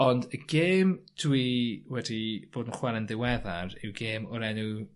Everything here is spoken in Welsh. ond y gêm dwi wedi bod y chware'n ddiweddar yw gêm o'r enw